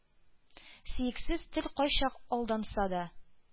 Сөяксез тел кайчак алдаса да,